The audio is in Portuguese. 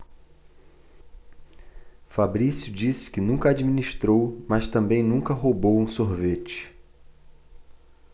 fabrício disse que nunca administrou mas também nunca roubou um sorvete